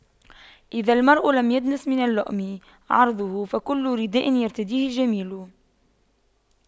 إذا المرء لم يدنس من اللؤم عرضه فكل رداء يرتديه جميل